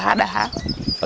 so kaga xa ɗaxaa